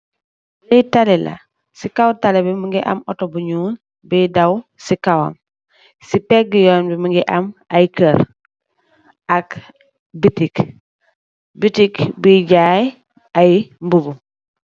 Lee tali la se kaw talibe muge am otu bu njol buye daw se kawam se pege yonn be muge am aye kerr ak betik , betik buye jaye aye mubu.